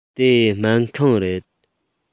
དེ སྨན ཁང རེད